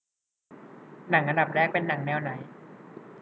หนังอันดับแรกเป็นหนังแนวไหน